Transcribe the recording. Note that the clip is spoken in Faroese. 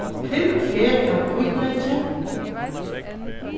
fimm fet av hvítleyki